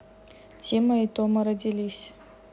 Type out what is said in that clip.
тима и тома родились